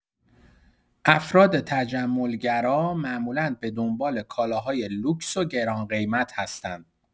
افراد تجمل‌گرا معمولا به دنبال کالاهای لوکس و گران‌قیمت هستند.